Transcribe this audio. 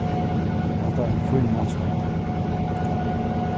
er hatta ein fín matstova